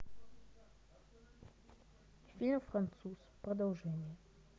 фильм француз продолжение